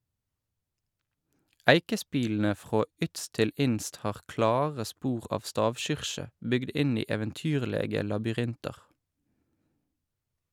Eikespilene frå ytst til inst har klare spor av stavkyrkje, bygd inn i eventyrlege labyrintar.